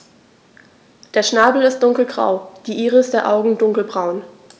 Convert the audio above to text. Der Schnabel ist dunkelgrau, die Iris der Augen dunkelbraun.